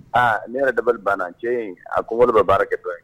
Aa ne yɛrɛ dabali banna cɛ a ko wɛrɛ bɛ baara kɛtɔ ye